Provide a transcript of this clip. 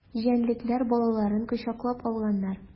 Җәнлекләр балаларын кочаклап алганнар.